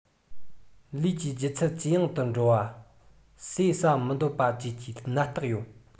ལུས ཀྱི ལྗིད ཚད ཇེ ཡང དུ འགྲོ བ ཟས ཟ མི འདོད པ བཅས ཀྱི ནད རྟགས ཡོད